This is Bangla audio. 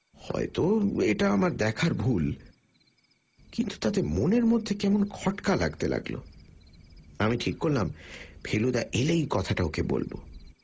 হয়তো এটা আমার দেখার ভুল কিন্তু তাতে মনের মধ্যে কেমন খটকা লাগতে লাগল আমি ঠিক করলাম ফেলুদা এলেই কথাটা ওকে বলব